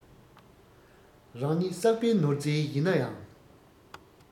རང ཉིད བསགས པའི ནོར རྫས ཡིན ན ཡང